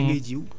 mbéy mi